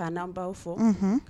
Kaanaan b baw fɔ